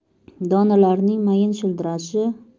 donalarining mayin shildirashi